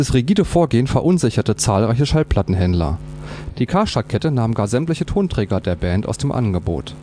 rigide Vorgehen verunsicherte zahlreiche Schallplattenhändler. Die Karstadt-Kette nahm gar sämtliche Tonträger der Band aus dem Angebot